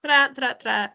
Tara tara tara.